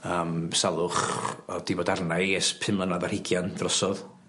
yym salwch o'dd 'di bod arna i ers pum mlynadd ar hugian drosodd.